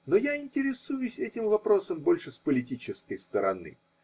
Но я интересуюсь этим вопросом больше с политической стороны.